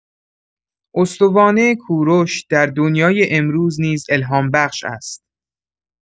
استوانه کوروش در دنیای امروز نیز الهام‌بخش است.